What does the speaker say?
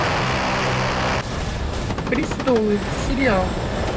престолы сериал